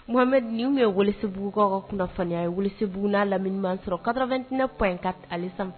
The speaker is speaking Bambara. Ŋhamed ninnu ye walisibugukan ka kunnafoni a ye walisiugu na lamini sɔrɔ kad2tinɛp ye ka alisa